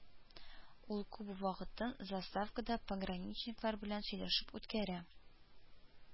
Ул күп вакытын заставкада пограничниклар белән сөйләшеп үткәрә